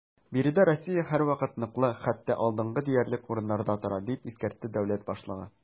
Биредә Россия һәрвакыт ныклы, хәтта алдынгы диярлек урыннарда тора, - дип искәртте дәүләт башлыгы.